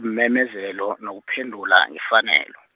iimemezelo, nokuphendula ngefanelo.